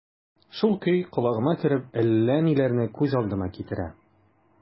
Шул көй колагыма кереп, әллә ниләрне күз алдыма китерә...